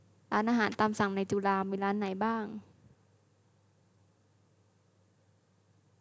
ร้านอาหารตามสั่งในจุฬามีร้านไหนบ้าง